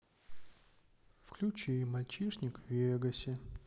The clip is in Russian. включи мальчишник в вегасе